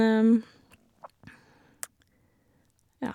Ja.